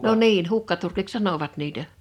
no niin hukkaturkiksi sanoivat niitä